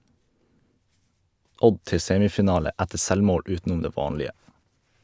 Odd til semifinale etter selvmål utenom det vanlige.